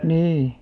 niin